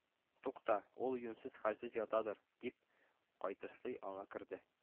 Тукта, ул юньсез хәлсез ятадыр, дип, кайтышлый аңа керде